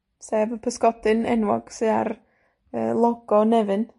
Sef y pysgodyn enwog sy ar, yy, logo Nefyn.